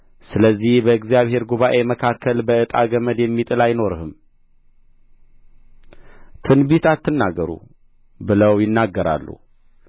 ስለዚህ በእግዚአብሔር ጉባኤ መካከል በዕጣ ገመድ የሚጥል አይኖርህም ትንቢት አትናገሩ ብለው ይናገራሉ